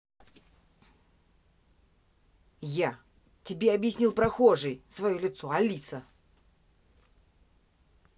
я тебе обяснил прохожий свое лицо алиса